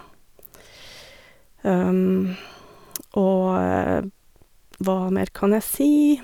Og hva mer kan jeg si?